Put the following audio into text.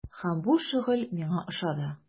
Һәм бу шөгыль миңа ошады.